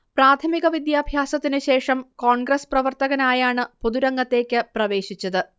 പ്രാഥമിക വിദ്യഭ്യാസത്തിന് ശേഷം കോൺഗ്രസ് പ്രവർത്തകനായാണ് പൊതുരംഗത്തേക്ക് പ്രവേശിച്ചത്